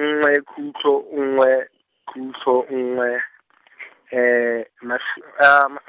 nngwe khutlo nngwe, khutlo nngwe , mas- ,